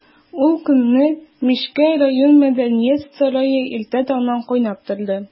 Ул көнне Мишкә район мәдәният сарае иртә таңнан кайнап торды.